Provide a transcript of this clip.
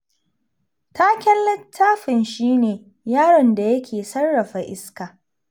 Taken littafin shi ne 'Yaron da Yake Sarrafa Iska.